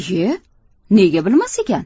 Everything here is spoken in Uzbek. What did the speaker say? iye nega bilmas ekan